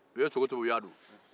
u ye sogo tobi u y'a dun